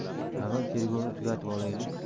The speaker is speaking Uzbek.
avval tergovni tugatib olaylik